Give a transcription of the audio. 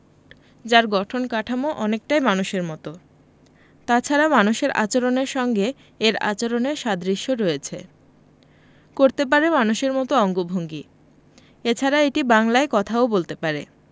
যার গঠন কাঠামো অনেকটাই মানুষের মতো তাছাড়া মানুষের আচরণের সঙ্গে এর আচরণের সাদৃশ্য রয়েছে করতে পারে মানুষের মতো অঙ্গভঙ্গি এছাড়া এটি বাংলায় কথাও বলতে পারে